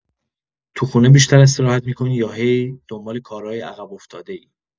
تو خونه بیشتر استراحت می‌کنی یا هی دنبال کارای عقب‌افتاده‌ای؟